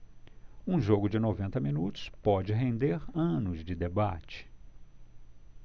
um jogo de noventa minutos pode render anos de debate